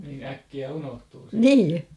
niin äkkiä unohtuu sitten